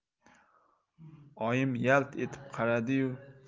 oyim yalt etib qaradi yu